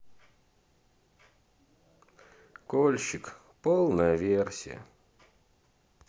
кольщик полная версия